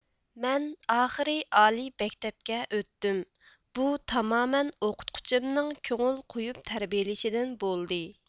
مەن ئاخىرى ئالىي مەكتەپكە ئۆتتۈم بۇ تامامەن ئوقۇتقۇچىمنىڭ كۆڭۈل قويۇپ تەربىيىلىشىدىن بولدى